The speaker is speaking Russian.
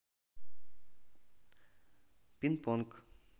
пин понг